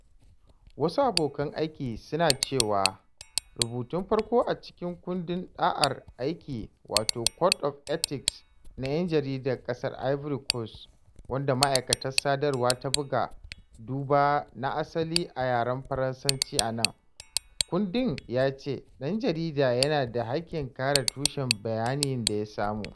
Wasu abokan aiki sun nuna cewa rubutun farko a cikin Kundin Ɗa'ar Aiki, wato Code of Ethics na 'Yan Jaridar Ƙasar Ivory Coast, wanda Ma’aikatar Sadarwa ta buga (duba na asali a yaren Faransanci anan), kundin ya ce, “Ɗan jarida yana da haƙƙin kare tushen bayanan da ya samu.”